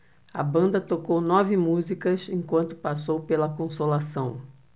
a banda tocou nove músicas enquanto passou pela consolação